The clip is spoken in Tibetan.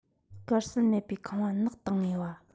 དཀར གསལ མེད པའི ཁང པ ནག ཏིང ངེ བ